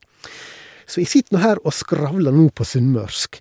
Så jeg sitter nå her og skravler nå på sunnmørsk.